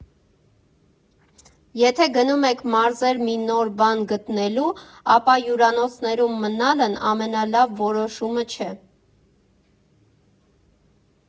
Եթե գնում եք մարզեր մի նոր բան գտնելու, ապա հյուրանոցներում մնալն ամենալավ որոշումը չէ։